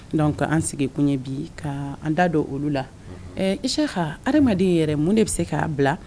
Donc an sigi kun ye bi ka an da don olu la . Ɛɛ Isiyaka adamaden yɛrɛ mun de bi se ka bila